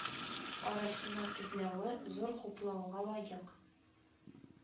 Арасыннан эзләве зур хуплауга лаек